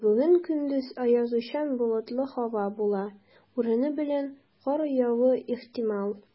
Бүген көндез аязучан болытлы һава була, урыны белән кар явуы ихтимал.